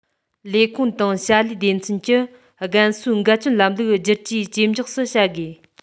ལས ཁུངས དང བྱ ལས སྡེ ཚན གྱི རྒན གསོའི འགན བཅོལ ལམ ལུགས བསྒྱུར བཅོས ཇེ མགྱོགས སུ བྱ དགོས